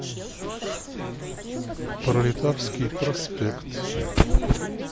пролетарский проспект